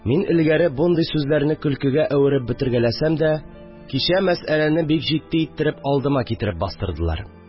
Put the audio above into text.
Мин элгәре мондый сүзләрне көлкегә әвереп бетергәләсәм дә, кичә мәсәләне бик җитди иттереп алдыма китереп бастырдылар